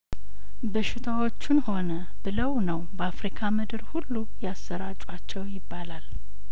በሽታዎቹን ሆነ ብለው ነው ባፍሪካ ምድር ሁሉ ያሰራጯቸው ይባላል